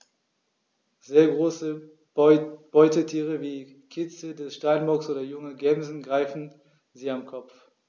Sehr große Beutetiere wie Kitze des Steinbocks oder junge Gämsen greifen sie am Kopf.